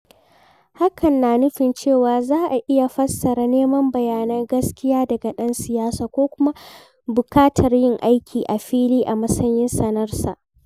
Hakan na nufin cewa za a iya fassara neman bayyana gaskiya daga ɗan siyasa ko kuma buƙatar yin aiki a fili a matsayin tsanarsa.